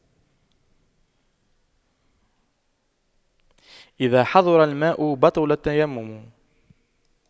إذا حضر الماء بطل التيمم